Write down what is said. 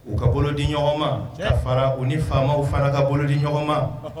U ka bolo di ɲɔgɔn fara u ni faamaw fana ka bolo di ɲɔgɔn